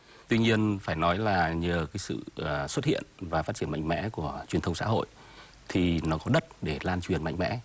tuy nhiên phải nói là nhờ sự xuất hiện và phát triển mạnh mẽ của truyền thông xã hội thì nó có đất để lan truyền mạnh mẽ